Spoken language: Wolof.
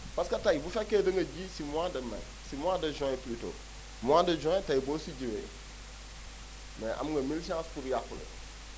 parce que tey bu fekkee da nga ji si mois de mai si mois de juin plutôt mois de juin tey boo si jiwee mais am nga mille chances pour yàqule